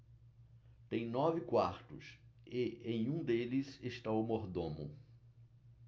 tem nove quartos e em um deles está o mordomo